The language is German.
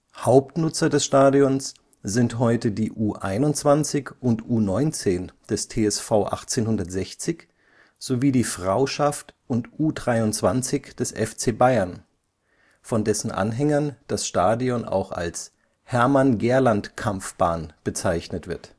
Hauptnutzer des Stadions sind heute die U21 und U19 des TSV 1860 sowie die Frauschaft und U23 des FC Bayern, von dessen Anhängern das Stadion auch als Hermann-Gerland-Kampfbahn bezeichnet wird